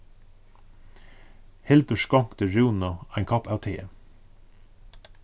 hildur skonkti rúnu ein kopp av te